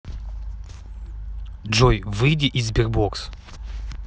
джой выйди из sberbox